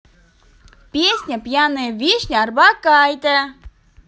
песня пьяная вишня орбакайте